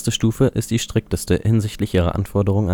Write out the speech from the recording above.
Stufe ist die strikteste hinsichtlich ihrer Anforderung